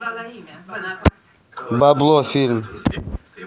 бабло фильм